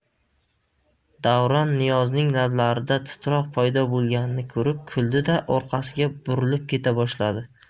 davron niyozning lablarida titroq paydo bo'lganini ko'rib kuldi da orqasiga burilib keta boshladi